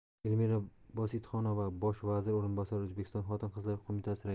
elmira bositxonova bosh vazir o'rinbosari o'zbekiston xotin qizlar qo'mitasi raisi